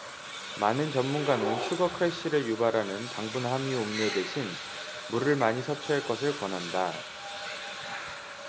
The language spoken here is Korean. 많은 전문가는 슈거 크래시를 유발하는 당분 함유 음료 대신 물을 많이 섭취할 것을 권한다